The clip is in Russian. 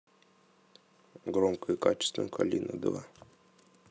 громко и качественно калина два